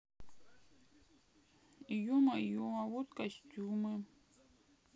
е мое а вот костюмы